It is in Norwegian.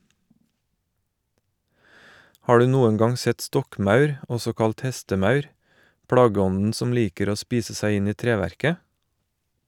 Har du noen gang sett stokkmaur, også kalt hestemaur, plageånden som liker å spise seg inn i treverket?